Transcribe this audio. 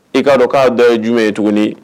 I k'a dɔn k'a da ye jumɛn ye tuguni